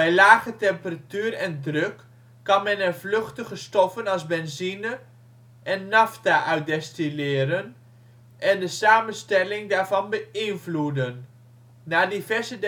lage temperatuur en druk kan men er vluchtige stoffen als benzine, nafta uit destilleren, en de samenstelling daarvan beïnvloeden; na diverse